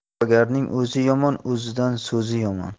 ig'vogarning o'zi yomon o'zidan so'zi yomon